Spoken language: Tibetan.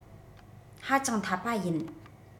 ཧ ཅང འཐད པ ཡིན